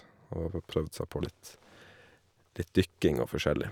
Og har fått prøvd seg på litt litt dykking og forskjellig.